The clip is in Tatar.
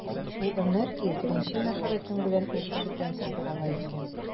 Ул энергия беренче мәхәббәтең белән үбешүдән соң кала икән.